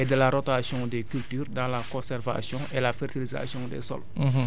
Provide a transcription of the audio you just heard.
et de la rotation des cultures dans la conservation et la fertilisation des sols